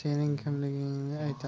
sening kimligingni aytaman